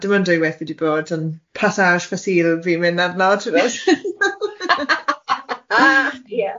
Dim ond dwy waith fi wedi bod yn Passage Fasîl fi'n mynd arno tibod? Ia.